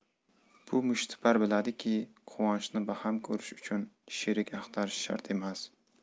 bu mushtipar biladiki quvonchni baham ko'rish uchun sherik axtarish shart emas